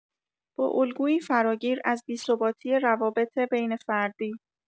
با الگویی فراگیر از بی‌ثباتی روابط بین‌فردی